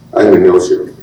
An ye o négocié